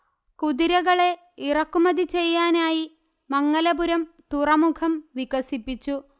കുതിരകളെ ഇറക്കുമതി ചെയ്യാനായി മംഗലാപുരം തുറമുഖം വികസിപ്പിച്ചു